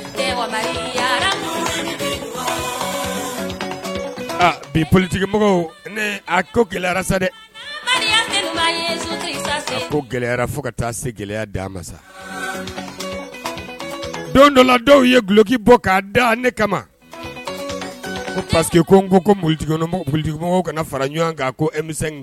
Bi politigimɔgɔ a ko gɛlɛya dɛ gɛlɛyayara fo ka taa se gɛlɛya don dɔla dɔw ye gloki bɔ k'a da ne kama ko pa ko ko koolitigi politigi kana fara ɲɔgɔn kan